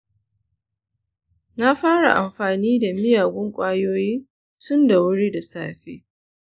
na fara amfani da miyagun ƙwayoyi tun da wuri da safe.